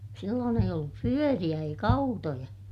silloin ei ollut pyöriä eikä autoja